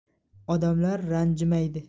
odamlar ranjimaydi